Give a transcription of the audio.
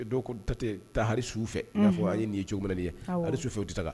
Dɔw ko u tɛ taa hali suw fɛ . I na fɔ an ye nin ye cogo min na nin ye hali sufɛ u ti taga